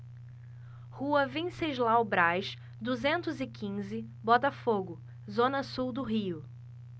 rua venceslau braz duzentos e quinze botafogo zona sul do rio